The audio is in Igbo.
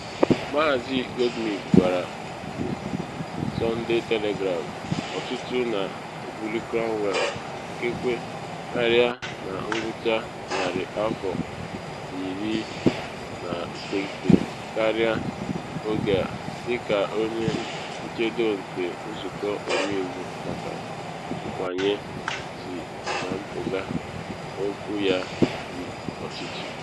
Maazị Goldsmith gwara The Sunday Telegraph: “Ọtụtụ na ebuli Cromwell, ikekwe karịa na ngwụcha narị afọ 19 karịa oge a, dị ka onye nchedo nke nzụkọ omeiwu maka nkwanye si na mpụga, n’okwu ya ndị ọchịchị.